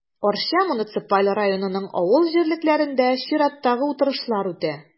Арча муниципаль районының авыл җирлекләрендә чираттагы утырышлар үтә.